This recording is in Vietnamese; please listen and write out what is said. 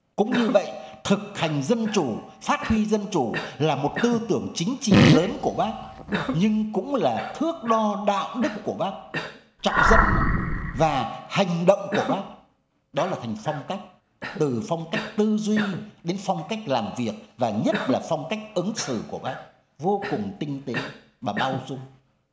cũng như vậy thực hành dân chủ phát huy dân chủ là một tư tưởng chính trị lớn của bác nhưng cũng là thước đo đạo đức của bác trọng dân mà và hành động của bác đó là thành phong cách từ phong cách tư duy đến phong cách làm việc và nhất là phong cách ứng xử của bác vô cùng tinh tế mà bao dung